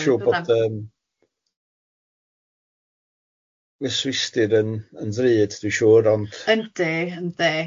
Siŵr bod yym, y Swistir yn yn ddrud dwi'n siŵr ond... Yndi yndi.